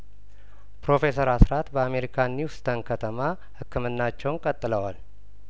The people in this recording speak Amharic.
ፕሮፌሰር አስራት በአሜሪካ ኒውስተን ከተማ ህክምናቸውን ቀጥለዋል